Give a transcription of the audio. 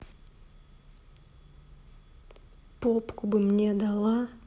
попку бы мне дала